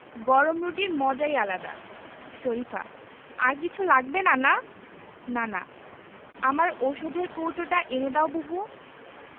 গরম রুটির মজাই আলাদা শরিফা আর কিছু লাগবে নানা নানা আমার ঔষধের কৌটোটা এনে দাও বুবু